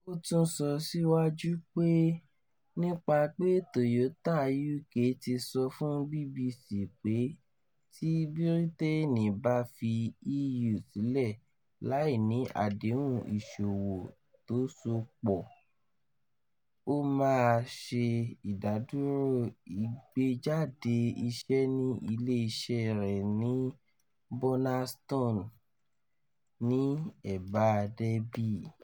Ótún sọ síwájú pé “nípa” pé Toyota UK ti sọ fún BBC pé tí Bírítéénì bá fi EU sílẹ̀ láì ní àdéhùn ìsòwò tó só pọ̀, ó máa ṣe ìdádúró ìgbéjáde-iṣẹ̀ ní ilé iṣẹ́ rẹ̀ ní Burnaston, ní ẹ̀bá Derby.